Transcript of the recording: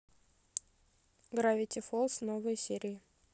гравити фолз новые серии